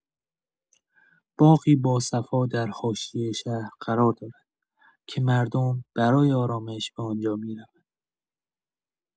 باغی باصفا در حاشیۀ شهر قرار دارد که مردم برای آرامش به آن‌جا می‌روند.